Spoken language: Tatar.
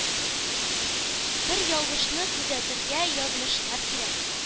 Бер ялгышны төзәтергә язмышлар кирәк.